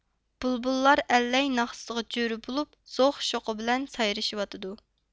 بۇلبۇللار ئەللەي ناخشىسىغا جۆر بولۇپ زوق شوقى بىلەن سايرىشىۋاتىدۇ